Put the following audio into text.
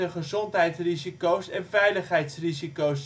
gezondheidsrisico 's en veiligheidsrisico